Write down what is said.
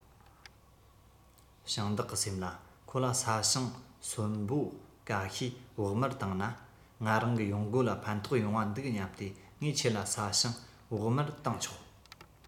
ཞིང བདག གི སེམས ལ ཁོ ལ ས ཞིང སོན འབོ ག ཤས བོགས མར བཏང ན ང རང གི ཡོང སྒོ ལ ཕན ཐོགས ཡོང བ འདུག སྙམ སྟེ ངས ཁྱེད ལ ས ཞིང བོགས མར བཏང ཆོག